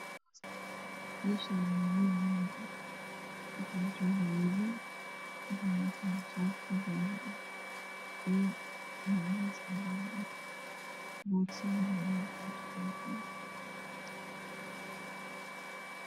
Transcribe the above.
Meshaan waa meel lami ah wax joogan wilal waxeyna wataan shaati jaale ah iyo macwiis cadaan ah boorso madow gacnta ku watan